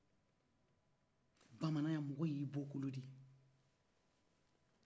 mɔgɔy'i bɔkɔlo de ye bamanan